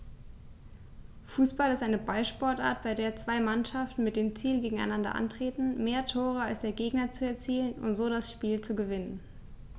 Fußball ist eine Ballsportart, bei der zwei Mannschaften mit dem Ziel gegeneinander antreten, mehr Tore als der Gegner zu erzielen und so das Spiel zu gewinnen.